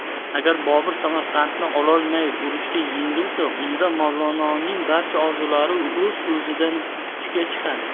agar bobur samarqandni ololmay urushda yengilsa unda mavlononing barcha orzulari o'zo'zidan puchga chiqadi